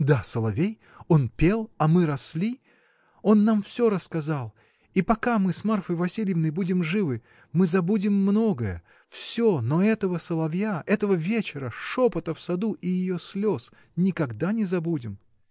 — Да, соловей, он пел, а мы росли: он нам всё рассказал, и пока мы с Марфой Васильевной будем живы — мы забудем многое, всё, но этого соловья, этого вечера, шепота в саду и ее слез никогда не забудем.